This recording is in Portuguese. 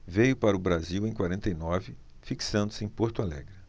veio para o brasil em quarenta e nove fixando-se em porto alegre